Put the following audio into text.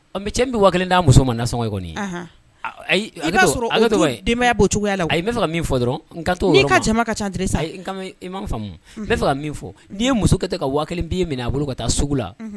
Ɔ cɛ bɛ wa kelen'a muso ma sɔn ye kɔni i'a sɔrɔ' maya bɔ cogoyaya la a fɛ ka min fɔ dɔrɔn ka ca ka ca sa i mamu bɛ fɛ ka min fɔ n'i ye muso kɛ tɛ ka wa kelen' mina a bolo ka taa sugu la